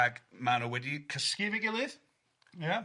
Ag maen nhw wedi cysgu efo'i gilydd... Ia